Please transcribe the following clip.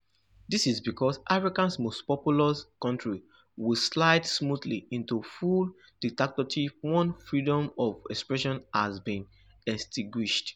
This is because Africa’s most populous country will slide smoothly into full dictatorship once freedom of expression has been extinguished.